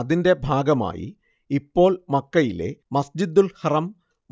അതിന്റെ ഭാഗമായി ഇപ്പോൾ മക്കയിലെ മസ്ജിദുൽ ഹറം